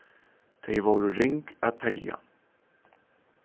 tey vóru ring at telja